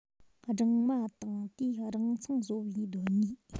སྦྲང མ དང དེའི སྦྲང ཚང བཟོ བའི གདོད ནུས